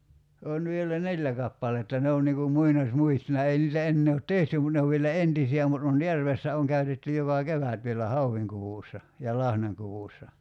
on vielä neljä kappaletta ne on niin kuin muinaismuistona ei niitä enää ole tehty mutta ne on vielä entisiä mutta on järvessä on käytetty joka kevät vielä hauenkudussa ja lahnankudussa